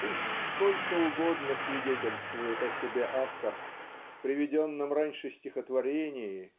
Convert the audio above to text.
пусть сколько угодно свидетельствует о себе автор в приведенном раньше стихотворении